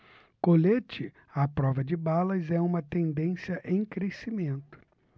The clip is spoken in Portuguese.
colete à prova de balas é uma tendência em crescimento